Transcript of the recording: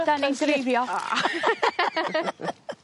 ...'dan ni'n dreifio. O.